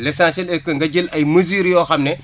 l' essentiel est que nga jël ay mesures yoo xam ne